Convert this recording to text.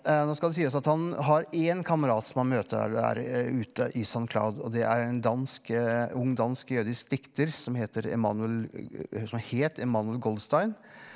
nå skal det sies at han har én kamerat som han møter er ute i Saint-Cloud og det er en dansk ung dansk jødisk dikter som heter Emmanuel som het Emmanuel Goldstein.